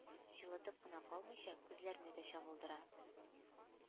Җылытып кына калмыйча, күзләрне дә чагылдыра,